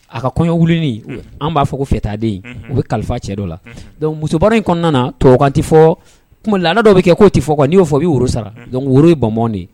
A ka kɔɲɔ wili an b'a fɔ ko fitaden u bɛ kalifa cɛ dɔ la musokɔrɔba in kɔnɔna to tɛ fɔ laadadɔ bɛ kɛ k' tɛ fɔ ka n'i'o fɔ bɛ woro sara woro bamabɔn de ye